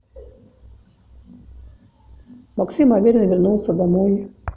максим аверин вернулся домой